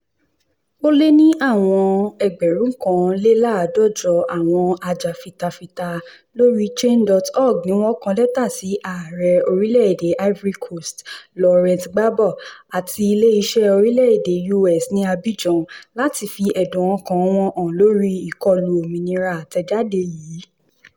Ó lé ní àwọn 1,150 àwọn ajàfitafita lórí Change.org ní wọ́n kọ́ lẹ́tà sí Ààrẹ orílẹ̀ èdè Ivory Coast Laurent Gbagbọ àti ilé iṣẹ́ orílẹ̀ èdè U.S ní Abidjan láti fi ẹ̀dùn ọkàn wọn hàn lórí ìkọlù òmìnira àtẹ̀jáde yìí.